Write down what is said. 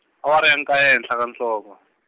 awara ya nkaye ehenhla ka nhloko.